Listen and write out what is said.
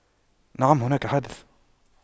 نعم هناك حادث